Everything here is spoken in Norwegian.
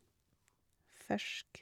Fersk.